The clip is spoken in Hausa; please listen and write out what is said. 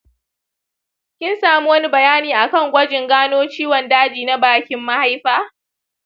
kin samu wani bayani akan gwajin gano ciwon daji na bakin mahaifa?